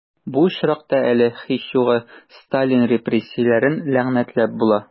Бу очракта әле, һич югы, Сталин репрессияләрен ләгънәтләп була...